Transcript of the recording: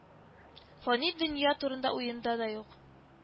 Фани дөнья турында уенда да юк